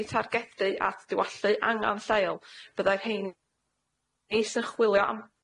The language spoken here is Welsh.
eu targedu at diwallu angan lleol byddai rheini sy'n chwilio am